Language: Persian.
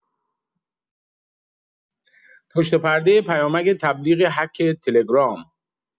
پشت‌پردۀ پیامک تبلیغ هک تلگرام!